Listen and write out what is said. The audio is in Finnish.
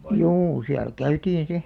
juu siellä käytiin sitten